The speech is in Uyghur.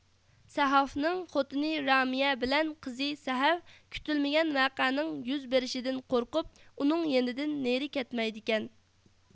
سەھافنىڭ خوتۇنى رامىيە بىلەن قىزى سەفەف كۈتۈلمىگەن ۋەقەنىڭ يۈز بېرىشىدىن قورقۇپ ئۇنىڭ يېنىدىن نېرى كەتمەيدىكەن